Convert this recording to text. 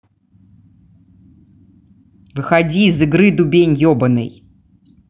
выходи из игры дубень ебаный